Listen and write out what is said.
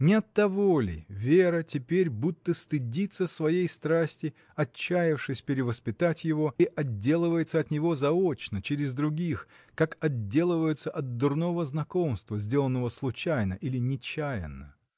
Не оттого ли Вера теперь будто стыдится своей страсти, отчаявшись перевоспитать его, и отделывается от него заочно, через других, как отделываются от дурного знакомства, сделанного случайно или нечаянно?